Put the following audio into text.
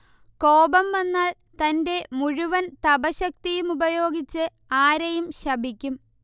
കോപം വന്നാൽ തന്റെ മുഴുവൻ തപഃശക്തിയും ഉപയോഗിച്ച് ആരെയും ശപിക്കും